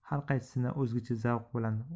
har qaysisini o'zgacha zavq bilan